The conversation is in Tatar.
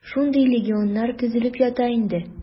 Шундый легионнар төзелеп ята инде.